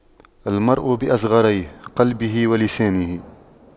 المرء بأصغريه قلبه ولسانه